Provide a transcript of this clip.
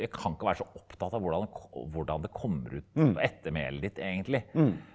vi kan ikke være så opptatt av hvordan det hvordan det kommer ut ettermælet ditt egentlig.